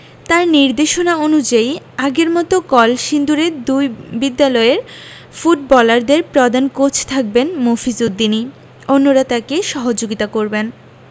তাঁর নির্দেশনা অনুযায়ী আগের মতো কলসিন্দুরের দুই বিদ্যালয়ের ফুটবলারদের প্রদান কোচ থাকবেন মফিজ উদ্দিনই অন্যরা তাঁকে সহযোগিতা করবেন